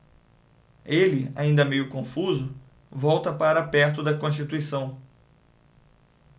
ele ainda meio confuso volta para perto de constituição